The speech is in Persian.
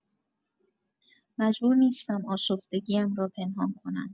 مجبور نیستم آشفتگی‌ام را پنهان کنم.